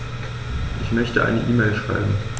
Ich möchte eine E-Mail schreiben.